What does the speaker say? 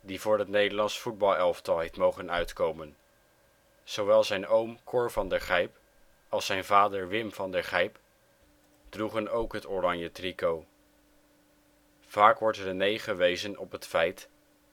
die voor het Nederlands voetbalelftal heeft mogen uitkomen. Zowel zijn oom Cor van der Gijp als zijn vader Wim van der Gijp droegen ook het Oranje tricot. Vaak wordt René gewezen op het feit